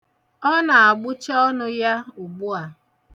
Ọ na-agbụcha ọnụ ya ugbu a.